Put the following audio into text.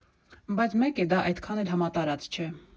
Բայց մեկ է, դա այդքան էլ համատարած չէ։